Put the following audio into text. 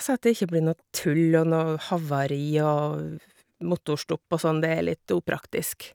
Så at det ikke blir noe tull og noe havari og motorstopp og sånn, det er litt upraktisk.